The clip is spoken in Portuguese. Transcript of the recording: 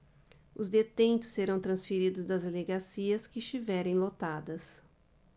os detentos serão transferidos das delegacias que estiverem lotadas